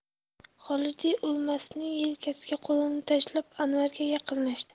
xolidiy o'lmasning yelkasiga qo'lini tashlab anvarga yaqinlashdi